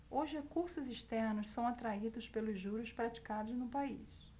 os recursos externos são atraídos pelos juros praticados no país